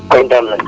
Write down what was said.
kontaan nañ